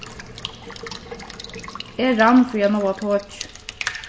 eg rann fyri at náa tokið